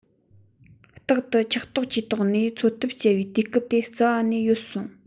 རྟག ཏུ འཁྱག ལྟོགས ཀྱིས དོགས ནས འཚོ ཐབས སྐྱེལ བའི དུས སྐབས དེ རྩ བ ནས ཡོལ སོང